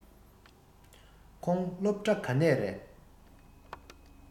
ཁོང སློབ གྲྭ ག ནས རེས